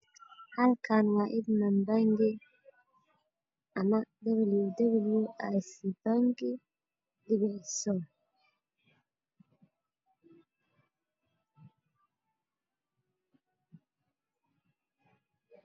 Kaalkaan iglan dayniile ana dabayuu dabalyuu aasi taangi